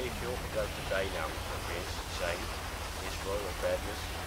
veel gebruikte bijnamen voor Prince zijn His Royal Badness